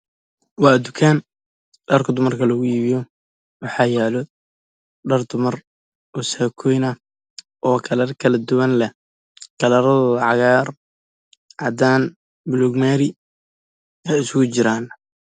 Waa dukaan dharka dumarka lagu iibiyo